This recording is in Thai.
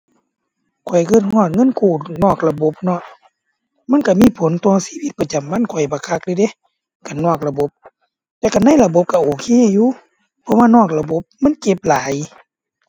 ข้อยคิดฮอดเงินกู้นอกระบบเนาะ มันคิดมีผลต่อชีวิตประจำวันข้อยบักคักเลยเดะ คันนอกระบบ แต่คันในระบบคิดโอเคอยู่ เพราะว่านอกระบบมันเก็บหลาย